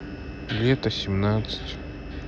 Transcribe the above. лето семнадцать